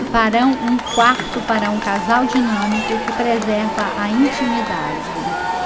farão um quarto para um casal dinâmico que preserva a intimidade